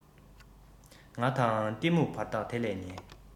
ང དང གཏི མུག བར ཐག དེ ལས ཉེ